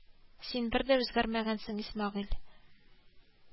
Син бердә үзгәрмәгәнсең исмагыйль